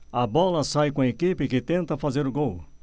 a bola sai com a equipe que tenta fazer o gol